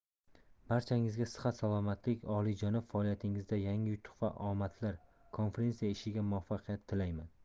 barchangizga sihat salomatlik olijanob faoliyatingizda yangi yutuq va omadlar konferensiya ishiga muvaffaqiyat tilayman